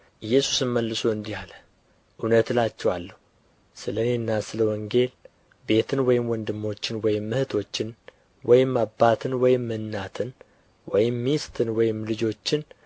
ኢየሱስም መልሶ እንዲህ አለ እውነት እላችኋለሁ ስለ እኔና ስለ ወንጌል ቤትን ወይም ወንድሞችን ወይም እኅቶችን ወይም አባትን ወይም እናትን ወይም ሚስትን ወይም ልጆችን